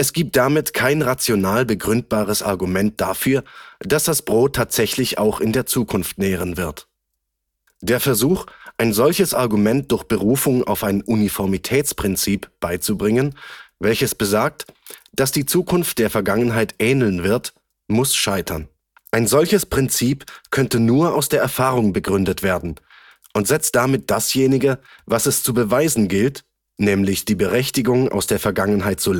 gibt damit kein rational begründbares Argument dafür, dass das Brot tatsächlich auch in Zukunft nähren wird. Der Versuch ein solches Argument durch Berufung auf ein „ Uniformitätsprinzip “beizubringen, welches besagt, dass die Zukunft der Vergangenheit ähneln wird, muss scheitern: Ein solches Prinzip könnte nur aus der Erfahrung begründet werden und setzt damit dasjenige, was es zu beweisen gilt, nämlich die Berechtigung aus der Vergangenheit zu